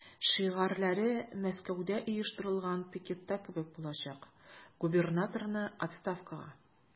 Шигарьләре Мәскәүдә оештырылган пикетта кебек булачак: "Губернаторны– отставкага!"